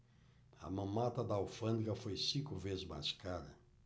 a mamata da alfândega foi cinco vezes mais cara